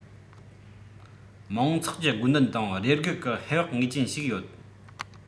མང ཚོགས ཀྱི དགོས འདུན དང རེ སྒུག ཀྱི ཧེ བག ངེས ཅན ཞིག ཡོད